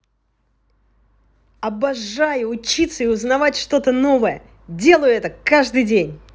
обожаю учиться и узнавать что то новое делаю это каждый день